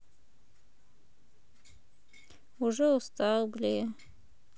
уже устал бле